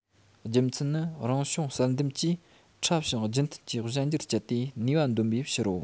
རྒྱུ མཚན ནི རང བྱུང བསལ འདེམས ཀྱིས ཕྲ ཞིང རྒྱུན མཐུད ཀྱི གཞན འགྱུར སྤྱད དེ ནུས པ འདོན པའི ཕྱིར རོ